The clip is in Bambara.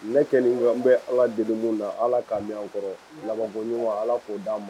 Ne kɔnni n bɛ Ala deli mun na Ala ka mɛn an kɔrɔ; amina; laban ko ɲuman Ala k'o d'a ma.